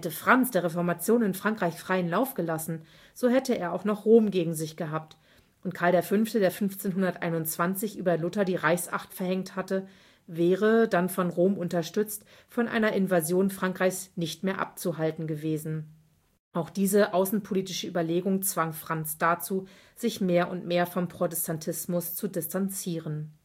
Franz der Reformation in Frankreich freien Lauf gelassen, so hätte er auch noch Rom gegen sich gehabt, und Karl V., der 1521 über Luther die Reichsacht verhängt hatte, wäre – dann von Rom unterstützt – von einer Invasion Frankreichs nicht mehr abzuhalten gewesen. Auch diese außenpolitische Überlegung zwang Franz dazu, sich mehr und mehr vom Protestantismus zu distanzieren